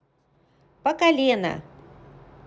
поколено